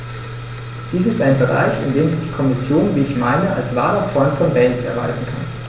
Dies ist ein Bereich, in dem sich die Kommission, wie ich meine, als wahrer Freund von Wales erweisen kann.